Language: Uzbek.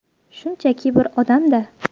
shunchaki bir odam da